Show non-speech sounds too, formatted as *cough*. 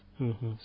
*hesitation* *hesitation*